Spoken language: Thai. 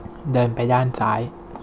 เดินไปด้านซ้าย